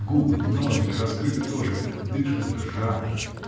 губы ноздри раскрыты тоже и дышат жадно